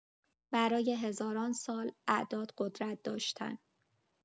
برای هزاران سال، اعداد قدرت داشتن.